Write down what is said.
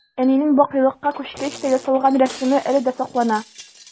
Әнинең бакыйлыкка күчкәч тә ясалган рәсеме әле дә саклана.